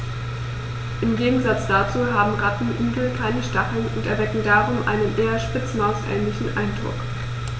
Im Gegensatz dazu haben Rattenigel keine Stacheln und erwecken darum einen eher Spitzmaus-ähnlichen Eindruck.